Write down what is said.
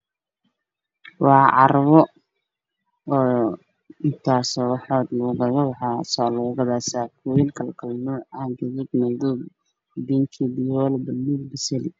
Waa carwo dhar lugu gado saakooyin kale nuuc ah sida basali, fiyool, bingi Iyo buluug.